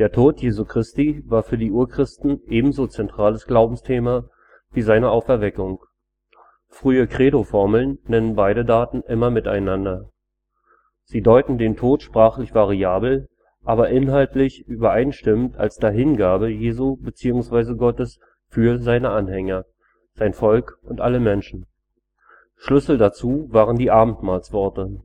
Tod Jesu Christi war für die Urchristen ebenso zentrales Glaubensthema wie seine Auferweckung. Frühe Credoformeln nennen beide Daten immer miteinander. Sie deuten den Tod sprachlich variabel, aber inhaltlich übereinstimmend als „ Dahingabe “Jesu bzw. Gottes „ für “seine Anhänger, sein Volk und alle Menschen. Schlüssel dazu waren die Abendmahlsworte